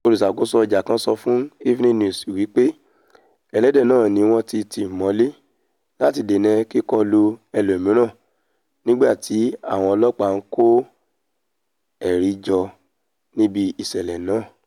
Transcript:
Olùṣàkóso ọjà kan sọ fún Evening News wí pé ẹlẹ́dẹ̀ náà ni wọn ti tì mọ́lé láti dènà kíkọlu ẹlomìíràn, nígbà tí àwọn ọlọ́ọ̀pá ńkó ẹ̀rí jọ níbi ìṣẹ̀lẹ̀ náà.